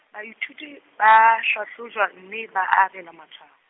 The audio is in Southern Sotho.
baithuti ba a hlahlojwa mme ba, abelwa matshwao.